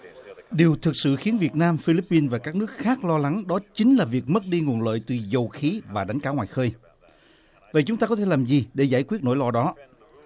điều thực sự khiến việt nam phi líp pin và các nước khác lo lắng đó chính là việc mất đi nguồn lợi từ dầu khí và đánh cá ngoài khơi và chúng ta có thể làm gì để giải quyết nỗi lo đó